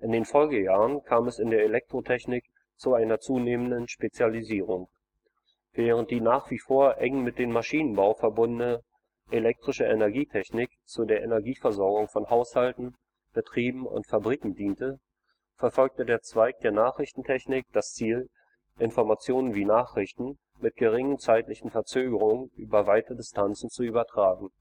den Folgejahren kam es in der Elektrotechnik zu einer zunehmenden Spezialisierung. Während die nach wie vor eng mit dem Maschinenbau verbundene elektrische Energietechnik zu der Energieversorgung von Haushalten, Betrieben und Fabriken diente, verfolgte der Zweig der Nachrichtentechnik das Ziel, Information wie Nachrichten mit geringen zeitlichen Verzögerung über weite Distanzen zu übertragen